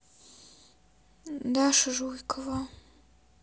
даша жуйкова